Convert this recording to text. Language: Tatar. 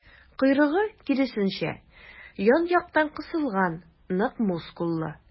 Койрыгы, киресенчә, ян-яктан кысылган, нык мускуллы.